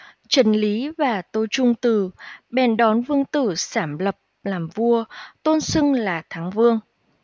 trần lý và tô trung từ bèn đón vương tử sảm lập làm vua tôn xưng là thắng vương